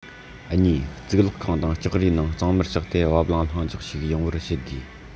གཉིས གཙུག ལག ཁང དང ལྕགས རིའི ནང གཙང མར ཕྱགས ཏེ བབ བརླིང ལྷིང འཇགས ཤིག ཡོང བར བྱེད དགོས